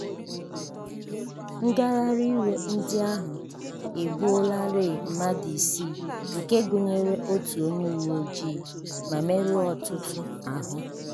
Ngagharị iwe ndị ahụ egbuolarịị mmadị isii, nke gunyere otu onye uwe ojii , ma merụọ ọtụtụ ahụ.